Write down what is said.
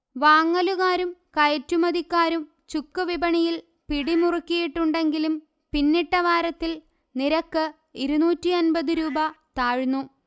വാങ്ങലുകാരും കയറ്റുമതിക്കാരും ചുക്ക് വിപണിയിൽ പിടിമുറുക്കിയിട്ടുണ്ടെങ്കിലും പിന്നിട്ട വാരത്തിൽ നിരക്ക് ഇരുന്നൂറ്റി അന്പത് രൂപ താഴ്ന്നു